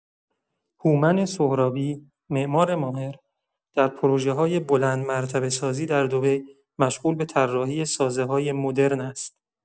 هومن سهرابی، معمار ماهر، در پروژه‌های بلندمرتبه‌سازی در دبی مشغول به طراحی سازه‌های مدرن است.